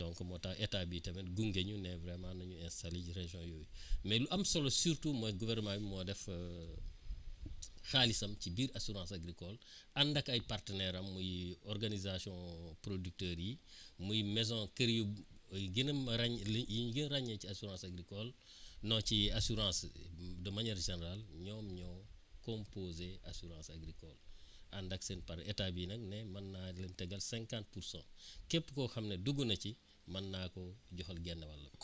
donc moo tax état bi tamit gunge ñu ne vraiment nañu installer yi région yooyu mais lu am solo surtout mooy gouvernement bi moo def xaalisam ci biir assurance agricole ànd ak ay partenaires am muy organisation producteurs yi muy maison kër yu gën a ràñ yiñ gën a ràññee ci assurance agricole non ci assurance de manière générale ñoom ñoo composé assurance agricole ànd ak seen parrain état bi nag ne mën naa leen tegal 50 pour cent képp koo xam ne dugg na ci mën naa koo joxal genn wàll